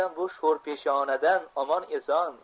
bu sho'rpeshanadan omon eson